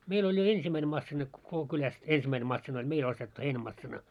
meillä oli jo ensimmäinen masiina - koko kylästä ensimmäinen masiina oli meillä ostettu heinämasiina